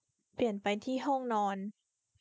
เปลี่ยนไปที่ห้องนอน